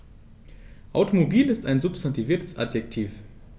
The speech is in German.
Automobil ist ein substantiviertes Adjektiv.